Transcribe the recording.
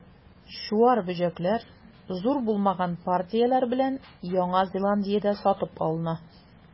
Чуар бөҗәкләр, зур булмаган партияләр белән, Яңа Зеландиядә сатып алына.